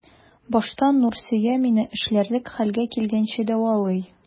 Башта Нурсөя мине эшләрлек хәлгә килгәнче дәвалый.